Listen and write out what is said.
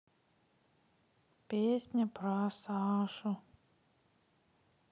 песня про сашу